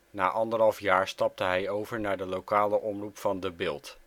Na anderhalf jaar stapte hij over naar de lokale omroep van De Bilt